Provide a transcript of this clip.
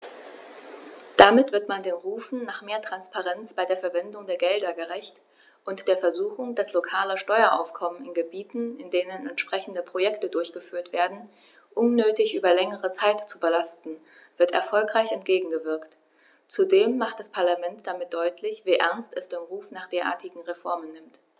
Damit wird man den Rufen nach mehr Transparenz bei der Verwendung der Gelder gerecht, und der Versuchung, das lokale Steueraufkommen in Gebieten, in denen entsprechende Projekte durchgeführt werden, unnötig über längere Zeit zu belasten, wird erfolgreich entgegengewirkt. Zudem macht das Parlament damit deutlich, wie ernst es den Ruf nach derartigen Reformen nimmt.